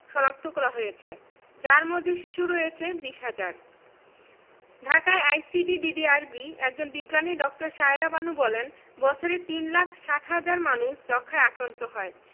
শনাক্ত করা হয়েছে যার মধ্যে শিশু রয়েছে প্রায় ২০ হাজার ঢাকায় আইসিডিডিআরবির একজন বিজ্ঞানী ড. সায়েরা বানু বলেন বছরে তিন লাখ ৬০ হাজার মানুষ যক্ষ্মায় আক্রান্ত হয়